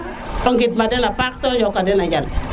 i mbara gid ma den a paax te yoka ted na ndjal